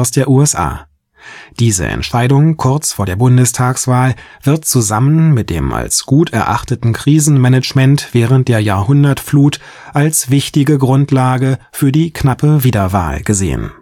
der USA. Diese Entscheidung kurz vor der Bundestagswahl wird zusammen mit dem als gut erachteten Krisenmanagement während der Jahrhundertflut als wichtige Grundlage für die knappe Wiederwahl gesehen